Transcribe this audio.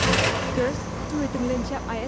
cớt người từng lên trạm ai